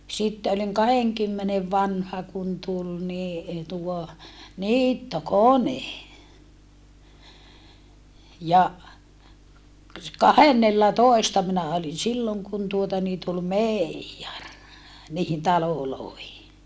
sitten olin kahdenkymmenen vanha kun tuli niin tuo niittokone ja kahdennellatoista minä olin silloin kun tuota niin tuli meijeri niihin taloihin